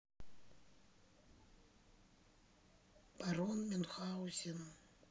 барон мюнхаузен